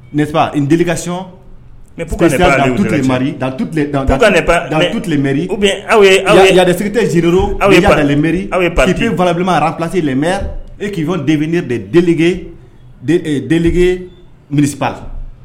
Ne fa delikasɔntuleritutu tilemeri awdsirite aw yelemeri aw ppifabilenma arafilasi lamɛn e k'isɔn debi ne degege miniba